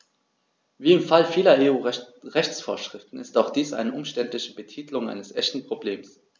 Wie im Fall vieler EU-Rechtsvorschriften ist auch dies eine umständliche Betitelung eines echten Problems.